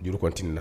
Y kɔnit la